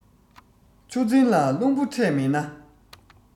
ཆུ འཛིན ལ རླུང བུ འཕྲད མེད ན